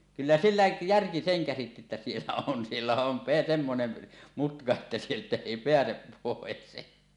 kyllä sillä järki sen käsitti että siellä on siellä on - semmoinen mutka että sieltä ei pääse pois